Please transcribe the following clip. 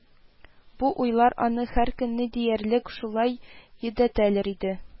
Бу уйлар аны һәр көнне диярлек шулай йөдәтәләр иде